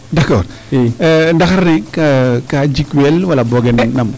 D' accord i ndaxar ne kaa jikweel wala boogen nam?